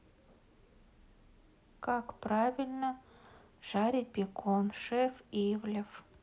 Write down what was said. как правильно жарить бекон шеф ивлев